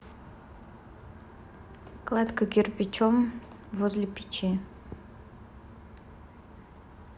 кладка кирпичом возле печи